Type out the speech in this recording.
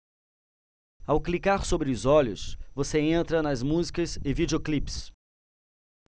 ao clicar sobre os olhos você entra nas músicas e videoclipes